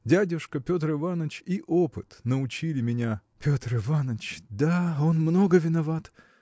Дядюшка Петр Иваныч и опыт научили меня. – Петр Иваныч! да, он много виноват!